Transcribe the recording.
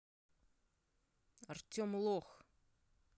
артем лох